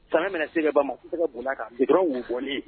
Samiyɛ mana se ka ban maa si tɛ se ka boli a kan, goudron wobɔlen